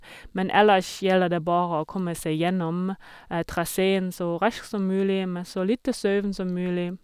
Men ellers gjelder det bare å komme seg gjennom traseen så raskt som mulig med så lite søvn som mulig.